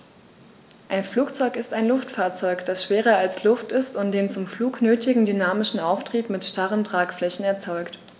Ein Flugzeug ist ein Luftfahrzeug, das schwerer als Luft ist und den zum Flug nötigen dynamischen Auftrieb mit starren Tragflächen erzeugt.